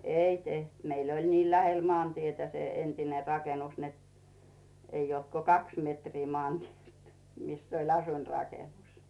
ei tehty meillä oli niin lähellä maantietä se entinen rakennus että ei ollut kuin kaksi metriä maantieltä missä oli asuinrakennus